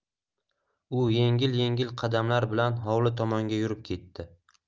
u yengil yengil qadamlar bilan hovli tomonga yurib ketdi